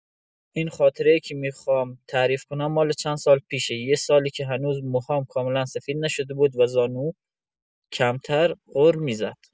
این خاطره‌ای که می‌خوام تعریف کنم مال چند سال پیشه، یه سالی که هنوز موهام کاملا سفید نشده بود و زانوم کمتر غر می‌زد.